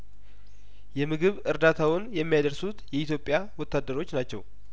የምግብ እርዳታውን የሚያደርሱት የኢትዮጵያ ወታደሮች ናቸው